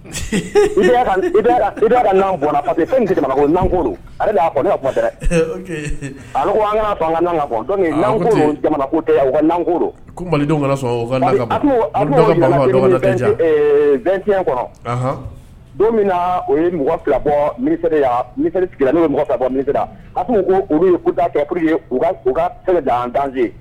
A an don min o ye mɔgɔ fila bɔ mi olu kɛ dan danzse